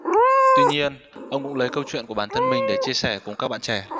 tuy nhiên ông cũng lấy câu chuyện của bản thân mình để chia sẻ cùng các bạn trẻ